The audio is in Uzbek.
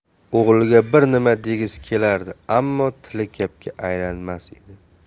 o'g'liga bir nima degisi kelardi ammo tili gapga aylanmas edi